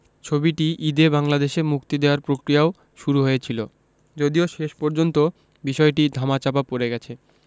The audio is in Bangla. ছবিটি ঈদে বাংলাদেশে মুক্তি দেয়ার প্রক্রিয়াও শুরু হয়েছিল যদিও শেষ পর্যন্ত বিষয়টি ধামাচাপা পড়ে গেছে